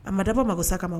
A ma dabɔ mako sa kama ma